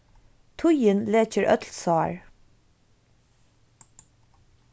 tíðin lekir øll sár